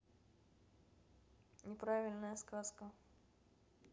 неправильная сказка